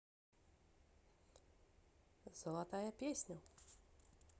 золотая песня